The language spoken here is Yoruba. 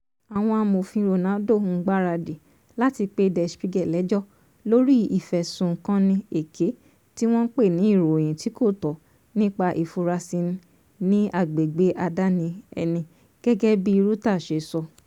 Àwọn àmòfin Ronaldo ń gbaradì láti pe Der Spiegel lẹ́jọ́ lórí ìfẹ̀sùnkanni èké, tí wọ́n pè ní “Ìròyìn tí kò tọ́ nípa ìfurasíni ní agbègbè àdani ẹni”. Gẹ́gẹ́bí Reuters ṣe sọ.